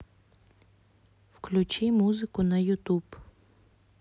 включи музыку на ютуб